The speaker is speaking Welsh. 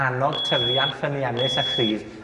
annog tyfiant ffyniannus a chryf